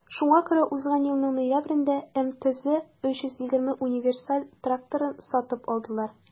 Шуңа күрә узган елның ноябрендә МТЗ 320 универсаль тракторын сатып алдылар.